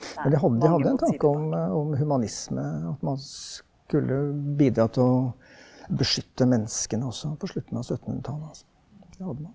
men de de hadde en tanke om om humanisme, at man skulle bidra til å beskytte menneskene også på slutten av syttenhundretallet altså det hadde de.